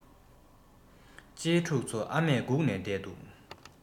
གཅེས ཕྲུག ཚོ ཨ མས སྒུག ནས བསྡད འདུག